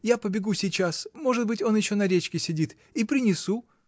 Я побегу сейчас — может быть, он еще на речке сидит — и принесу.